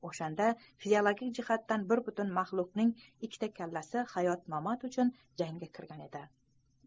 o'shanda fiziologik jihatdan bir butun maxluqning ikkita kallasi hayot mamot uchun jangga kirgan edi